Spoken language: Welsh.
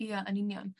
Ia yn union.